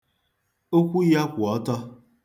Okwu ya kwụ ọtọ.